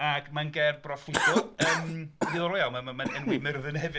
Ac mae'n gerdd broffwydol, yn ddiddorol iawn ma- mae'n enwi Myrddin hefyd